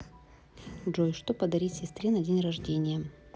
джой что подарить сестре на день рождения